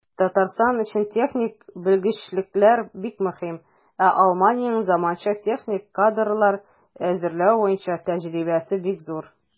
Татарстан өчен техник белгечлекләр бик мөһим, ә Германиянең заманча техник кадрлар әзерләү буенча тәҗрибәсе бик зур.